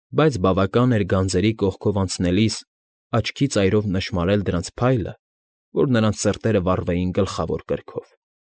Բայց բավական էր գանձերի կողքով անցնելիս աչքի ծայրով նշմարել դրանց փայլը, որ նրանց սրտերը վառվեին գլխավոր կրքով։